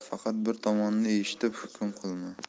faqat bir tomonni eshitib hukm qilma